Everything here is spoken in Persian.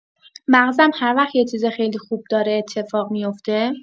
مغزم هر وقت یه چیز خیلی خوب داره اتفاق میوفته